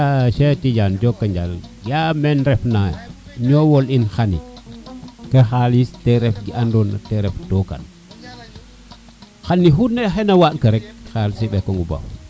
ga a Cheikh tidiane jokonjal ga a meen ref na ñowole in xaye to xalis te ref ke ando na te ref tokane xane xu xene waaɗ ka rek xalis te ɓekong ta